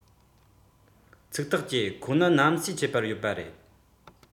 ཚིག ཐག བཅད ཁོ ནི གནམ སའི ཁྱད པར ཡོད པ རེད